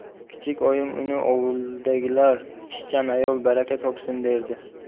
kichik oyim uni ovuldagilar ishchan ayol baraka topsin derdi